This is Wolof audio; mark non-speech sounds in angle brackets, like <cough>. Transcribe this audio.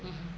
<hesitation> <hesitation>